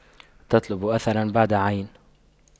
تطلب أثراً بعد عين